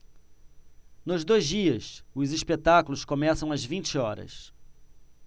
nos dois dias os espetáculos começam às vinte horas